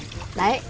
đấy